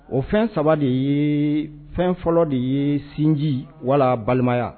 O fɛn saba de ye fɛn fɔlɔ de ye sinji wala balimaya